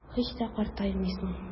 Һич тә картаймыйсың.